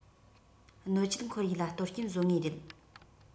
སྣོད བཅུད ཁོར ཡུག ལ གཏོར སྐྱོན བཟོ ངེས རེད